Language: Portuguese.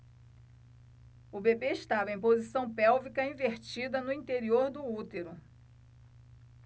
o bebê estava em posição pélvica invertida no interior do útero